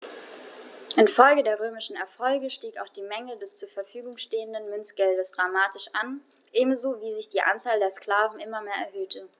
Infolge der römischen Erfolge stieg auch die Menge des zur Verfügung stehenden Münzgeldes dramatisch an, ebenso wie sich die Anzahl der Sklaven immer mehr erhöhte.